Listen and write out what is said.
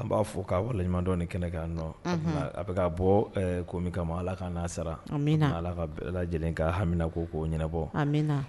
An b'a fɔ k'a wariɲumandɔ ni kɛnɛkan nɔ a bɛ' bɔ ko min kama ala ka'a sara ala ka lajɛlen ka hamina ko'o ɲɛnabɔmina